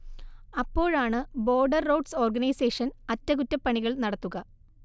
അപ്പോഴാണ് border roads organisation അറ്റകുറ്റപ്പണികൾ നടത്തുക